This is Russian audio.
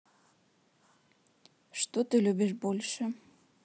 что ты любишь больше